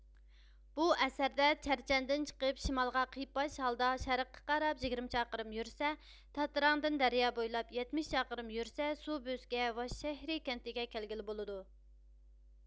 بۇ ئەسەردە چەرچەندىن چىقىپ شىمالغان قىيپاش ھالدا شەرققە قاراپ يىگىرمە چاقىرىم يۈرسە تاتراڭدىن دەريا بويلاپ يەتمىش چاقىرىم يۈرسە سۇ بۆسكە ۋاششەھىرى كەنتىگە كەلگىلى بولىدۇ